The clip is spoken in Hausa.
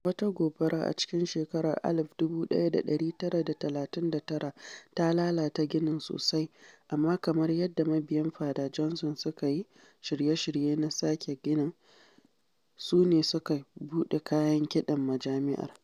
Wata gobara a cikin shekarar 1939 ta lalata ginin sosai, amma kamar yadda mabiyan Fada Johnson suka yi shirye-shirye na sake ginin, su ne suka buɗe kayan kiɗan majami’ar.